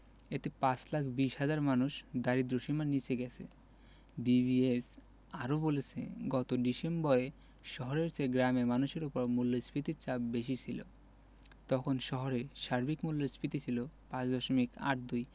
এতে ৫ লাখ ২০ হাজার মানুষ দারিদ্র্যসীমার নিচে গেছে বিবিএস আরও বলছে গত ডিসেম্বরে শহরের চেয়ে গ্রামের মানুষের ওপর মূল্যস্ফীতির চাপ বেশি ছিল তখন শহরে সার্বিক মূল্যস্ফীতি ছিল ৫ দশমিক ৮২